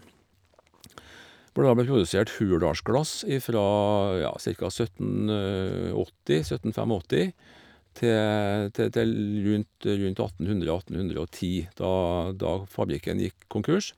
Hvor det da ble produsert Hurdalsglass ifra, ja, cirka søttenåtti, søtten fem og åtti, te te til rundt rundt atten hundre, atten hundre og ti, da da fabrikken gikk konkurs.